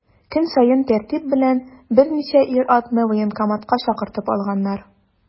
Көн саен тәртип белән берничә ир-атны военкоматка чакыртып алганнар.